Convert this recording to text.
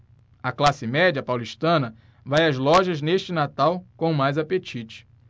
a classe média paulistana vai às lojas neste natal com mais apetite